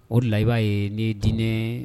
O de la i b'a ye ne diinɛ